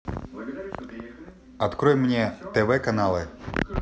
открой мне тв каналы